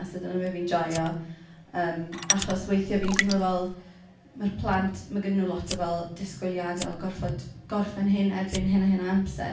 So dyna be fi'n joio. yym achos weithiau fi'n teimlo fel ma'r plant, ma' gennyn nhw lot o fel disgwyliadau o gorfod gorffen hyn erbyn hyn a hyn o amser.